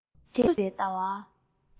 རྟོག བཟོ བྱས པའི ཟླ བ